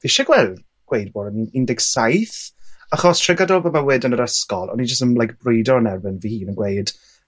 fi isia gwel- gweud bod yn un deg saith achos trwy gydol fy bywyd yn yr ysgol, o'n i jyst yn like brwydo yn erbyn fy hun yn gweud